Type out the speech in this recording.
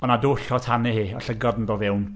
O' 'na dwll o tanni hi, a llygod yn dod fewn.